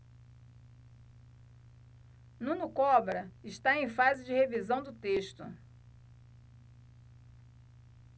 nuno cobra está em fase de revisão do texto